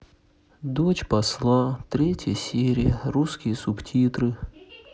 дочь посла третья серия русские субтитры